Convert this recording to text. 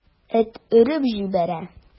Эт өреп җибәрә.